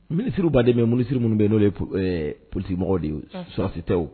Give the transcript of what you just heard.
Minisiri baden bɛ yan minisiri minnu bɛ n'o ye politikimɔgɔw de ye sɔrɔdasiw tɛ wo